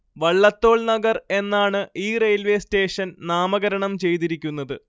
വള്ളത്തോൾ നഗർ എന്നാണ് ഈ railway station നാമകരണം ചെയ്തിരിക്കുന്നത്